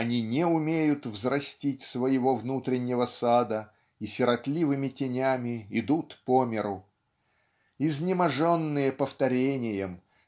Они не умеют взрастить своего внутреннего сада и сиротливыми тенями идут по миру. Изнеможенные повторением